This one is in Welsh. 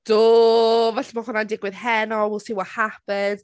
Do! Falle bo' hwnna'n digwydd heno, we'll see what happens.